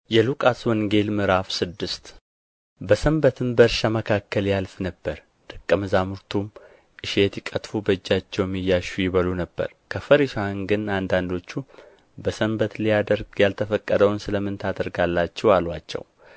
የሉቃስ ወንጌል ምዕራፍ ስድስት በሰንበትም በእርሻ መካከል ያልፍ ነበር ደቀ መዛሙርቱም እሸት ይቀጥፉ በእጃቸውም እያሹ ይበሉ ነበር ከፈሪሳውያን ግን አንዳንዶቹ በሰንበት ሊያደርግ ያልተፈቀደውን ስለ ምን ታደርጋላችሁ አሉአቸው